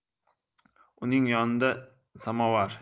uning yonida samovar